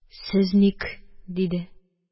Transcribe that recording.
– сез ник? – диде